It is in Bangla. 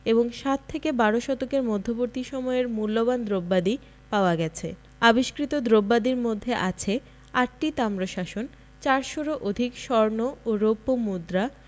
এবং সাত থেকে বারো শতকের মধ্যবর্তী সময়ের মূল্যবান দ্রব্যাদি পাওয়া গেছে আবিষ্কৃত দ্রব্যাদির মধ্যে আছে আটটি তাম্রশাসন চারশরও অধিক স্বর্ণ ও রৌপ্য মুদ্রা